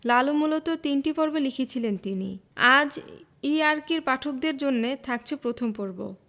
লালু মূলত তিনটি পর্বে লিখেছিলেন তিনি আজ eআরকির পাঠকদের জন্যে থাকছে প্রথম পর্ব